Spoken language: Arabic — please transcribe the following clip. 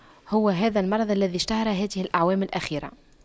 هو هذا المرض الذي اشتهر هذه الأعوام الأخيرة